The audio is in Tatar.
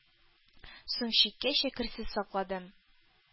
Соң чиккәчә керсез сакладым.